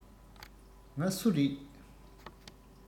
ང སུ རེད